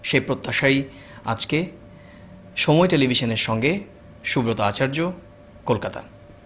সে প্রত্যাশায় আজকে সময় টেলিভিশনের সঙ্গে সুব্রত আচার্য্য কলকাতা